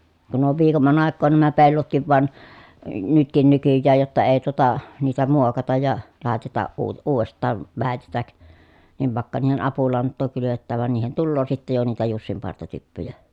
kun on viikomman aikaan nämä pellotkin vaan nytkin nykyään jotta ei tuota niitä muokata ja laiteta - uudestaan väetetä niin vaikka niihin apulantaa kylvetään vaan niihin tulee sitten jo niitä jussinpartatyppyjä